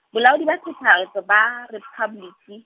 Bolaodi ba Phethahatso ba, Rephaboliki.